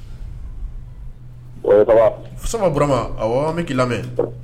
Sava? Sava Bourama ?, awɔ an bɛ k'i lamɛ.